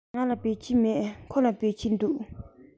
ང ལ བོད ཆས མེད ཁོ ལ བོད ཆས འདུག